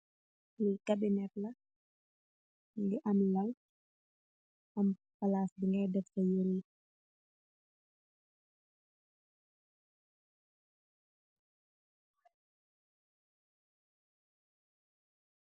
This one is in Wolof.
Li cabinet la, mungy am lal am pahlass bingai deff sa yereh yii.